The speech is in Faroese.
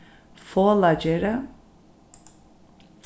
folagerði